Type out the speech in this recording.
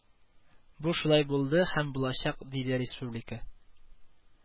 Бу шулай булды һәм булачак, диде республика